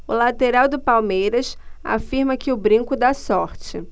o lateral do palmeiras afirma que o brinco dá sorte